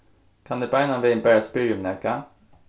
kann eg beinan vegin bara spyrja um nakað